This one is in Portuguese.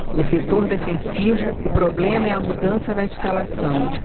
no setor defensivo o problema é a mudança na escalação